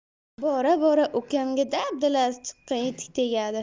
bora bora ukamga dabdalasi chiqqan etik tegadi